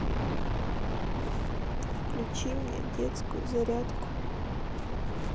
включи мне детскую зарядку